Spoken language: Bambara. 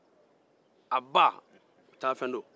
a ba ye taafen ye